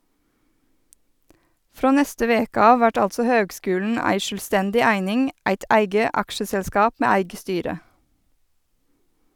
Frå neste veke av vert altså høgskulen ei sjølvstendig eining, eit eige aksjeselskap med eige styre.